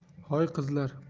hoy qizlar